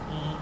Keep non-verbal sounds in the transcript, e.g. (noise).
(hesitation) (hesitation)